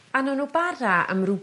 A nown n'w bara am ryw